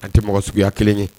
An tɛ mɔgɔ suguya kelen ye